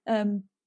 yym